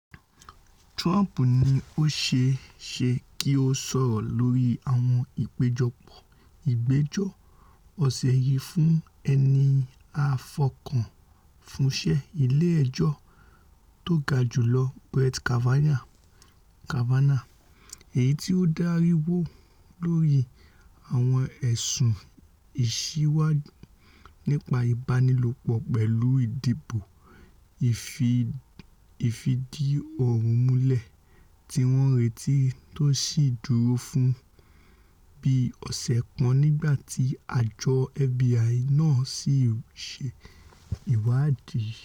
Trump ni ó ṣeé ṣ̵e kí ó sọ̀rọ̀ lórí àwọn ìgbẹ́jọ́ ọ̀sẹ̀ yìí fún ẹni-a-fàkalẹ̀-fúnṣẹ́ Ilé Ẹjọ́ Tógajùlọ Brett Kavanaugh, èyití o dariwo lórí àwọn ẹ̀sùn ìsìwàhu nípa ìbánilòpọ̀ pẹ̀lú ìdìbò ìfìdíọ̀rọ̀múlẹ̀ tíwọn ńretí tó sì ńdúró fún bí ọ̀sẹ̀ kan nígbà tí àjọ FBI náà sì ńṣe ìwáàdí.